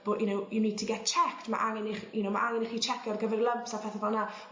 bo' you know you need to get checked ma' angen i chi you know ma' angen i chi checio ar gyfer lymps a phethe fel 'na